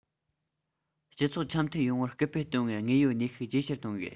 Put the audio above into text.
སྤྱི ཚོགས འཆམ མཐུན ཡོང བར སྐུལ སྤེལ གཏོང བའི དངོས ཡོད ནུས ཤུགས ཇེ ཆེར གཏོང དགོས